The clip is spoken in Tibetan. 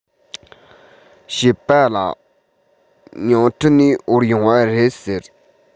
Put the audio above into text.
བཤད པ ལ ཉིང ཁྲི ནས དབོར ཡོང བ རེད ཟེར